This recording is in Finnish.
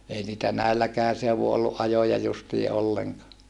ei niitä näilläkään seuduin ollut ajoja justiin ollenkaan